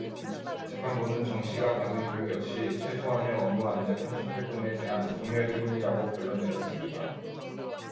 재판부는 정씨가 받은 교육 역시 최소한의 업무 안내 판촉활동에 대한 독려일 뿐이라고 결론 내렸습니다